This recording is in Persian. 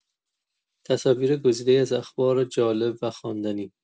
تصاویر گزیده‌ای از اخبار جالب و خواندنی